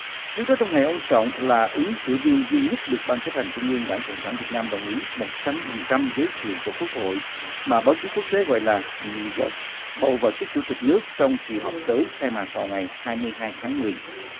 trước đó trong ngày ông trọng là ứng cử viên duy nhất được ban chấp hành trung ương đảng cộng sản việt nam đồng ý một trăm phần trăm giới thiệu cho quốc hội mà báo chí quốc tế gọi là nghị gật bầu vào chức chủ tịch nước trong kỳ họp tới khai mạc vào ngày hai mươi hai tháng mười